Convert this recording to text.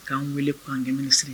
K'an wele en 2005